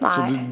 nei.